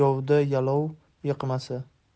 aytar yovda yalov yiqmasa